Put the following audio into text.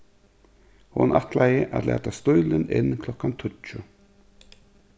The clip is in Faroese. hon ætlaði at lata stílin inn klokkan tíggju